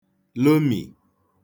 lomì